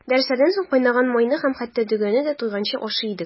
Дәресләрдән соң кайнаган майны һәм хәтта дөгене дә туйганчы ашый идек.